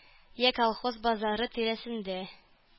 Йә колхоз базары тирәсендә